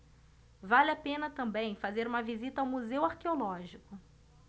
vale a pena também fazer uma visita ao museu arqueológico